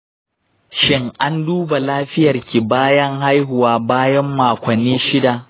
shin an duba lafiyarki bayan haihuwa bayan makonni shida?